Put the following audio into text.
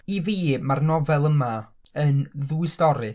i fi ma'r nofel yma yn ddwy stori.